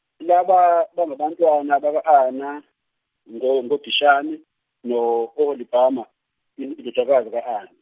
laba bangabantwana baka- Ana ngo- ngo- Dishani no- Oholibhama indo- indodakazi ka- Ana.